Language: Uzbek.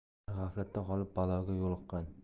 ular g'aflatda qolib baloga yo'liqqan